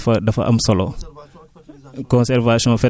waaw fertilisation des sols dafa dafa dafa am solo